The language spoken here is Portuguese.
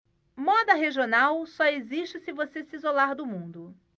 moda regional só existe se você se isolar do mundo